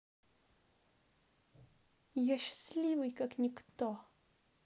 я счастливый как никто